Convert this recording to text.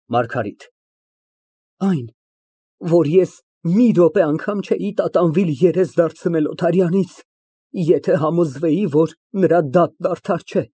ՄԱՐԳԱՐԻՏ ֊ Այն, որ ես մի րոպե անգամ չէի տատանվի երես դարձնել Օթարյանից, եթե համոզվեի, որ նրա դատն արդար չէ։